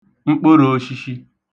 mkpə̣rōōshīshī